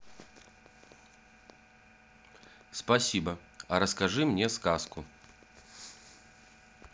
спасибо а расскажи мне сказку